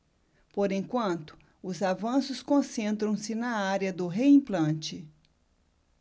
por enquanto os avanços concentram-se na área do reimplante